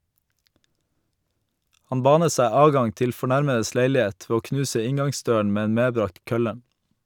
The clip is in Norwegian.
Han banet seg adgang til fornærmedes leilighet ved å knuse inngangsdøren med en medbrakt kølle.